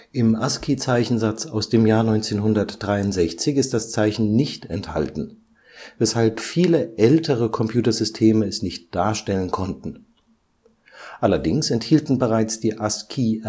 Im ASCII-Zeichensatz aus dem Jahr 1963 ist das Zeichen nicht enthalten, weshalb viele ältere Computersysteme es nicht darstellen konnten. Allerdings enthielten bereits die ASCII-Erweiterungen